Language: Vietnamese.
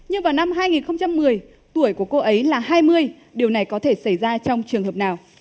nhưng vào năm hai nghìn không trăm mười tuổi của cô ấy là hai mươi điều này có thể xảy ra trong trường hợp nào